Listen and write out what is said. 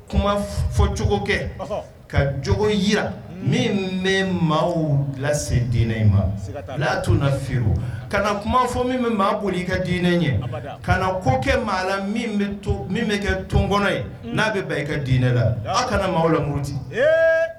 Kuma fɔ cogokɛ ka j yi min bɛ maa lase dinɛ in ma y'a t na feere ka kuma fɔ bɛ mɔgɔ bolo i ka dinɛ ɲɛ ka ko kɛ maa la min bɛ kɛ ton kɔnɔ ye n'a bɛ ba i ka dinɛ la aw kana maaw la muruti